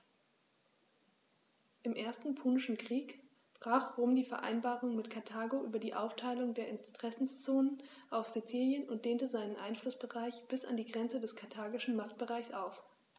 Im Ersten Punischen Krieg brach Rom die Vereinbarung mit Karthago über die Aufteilung der Interessenzonen auf Sizilien und dehnte seinen Einflussbereich bis an die Grenze des karthagischen Machtbereichs aus.